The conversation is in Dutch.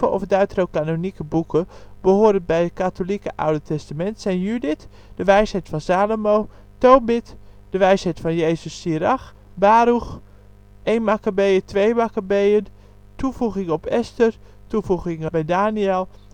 of Deuterocanonieke boeken (behorend bij het katholieke oude testament) zijn Judith, de wijsheid van Salomo, Tobit, De wijsheid van Jezus Sirach, Baruch, I Makkabeeën, II Makkabeeën, Toevoegingen op Esther, Toevoegingen bij Daniël